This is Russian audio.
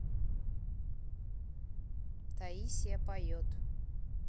таисия поет